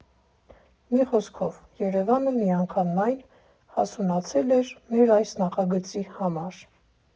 Մի խոսքով, Երևանը միանգամայն հասունացել էր մեր այս նախագծի համար։